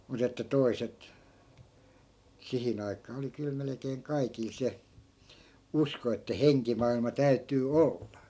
mutta että toiset siihen aikaan oli kyllä melkein kaikilla se usko että henkimaailma täytyy olla